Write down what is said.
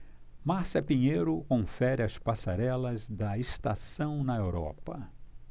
márcia pinheiro confere as passarelas da estação na europa